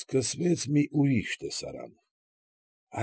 Սկսվեց մի ուրիշ տեսարան։